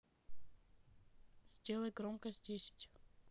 сделай громкость десять